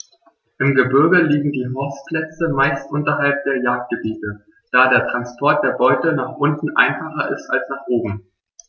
Im Gebirge liegen die Horstplätze meist unterhalb der Jagdgebiete, da der Transport der Beute nach unten einfacher ist als nach oben.